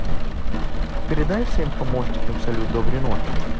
передай всем помощникам салют доброй ночи